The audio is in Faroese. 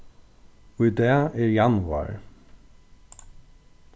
í dag er januar